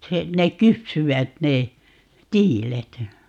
se ne kypsyivät ne tiilet